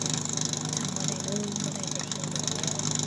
จำบ่ได้เลย บ่ได้ไปเที่ยวโดนแล้ว